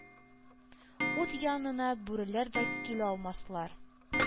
Ут янына бүреләр дә килалмаслар,